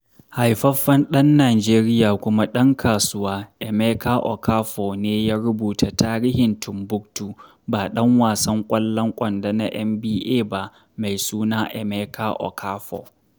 Haifaffen ɗan Nijeriya kuma ɗan kasuwa, Emeka Okafor ne ya rubuta Tarihin Tumbuktu, ba ɗan wasan ƙwallon kwando na NBA ba mai suna Emeka Okafor.